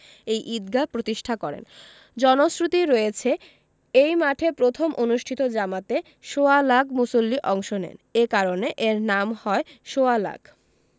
এই ঈদগাহ প্রতিষ্ঠা করেন জনশ্রুতি রয়েছে এই মাঠে প্রথম অনুষ্ঠিত জামাতে সোয়া লাখ মুসল্লি অংশ নেন এ কারণে এর নাম হয় সোয়া লাখ